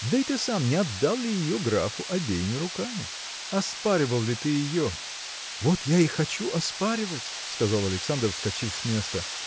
Да и ты сам не отдал ли ее графу обеими руками? оспоривал ли ты ее? – Вот я и хочу оспоривать – сказал Александр вскочив с места